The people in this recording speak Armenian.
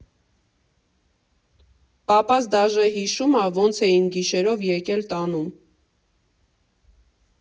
Պապաս դաժե հիշում ա՝ ոնց էին գիշերով եկել տանում։